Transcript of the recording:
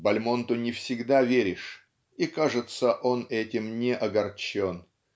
Бальмонту не всегда веришь, и, кажется, он этим не огорчен.